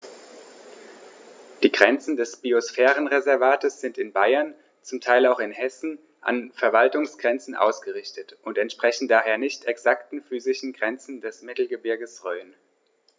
Die Grenzen des Biosphärenreservates sind in Bayern, zum Teil auch in Hessen, an Verwaltungsgrenzen ausgerichtet und entsprechen daher nicht exakten physischen Grenzen des Mittelgebirges Rhön.